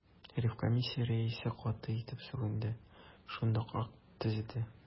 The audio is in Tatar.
Ревкомиссия рәисе каты итеп сүгенде, шундук акт төзеде.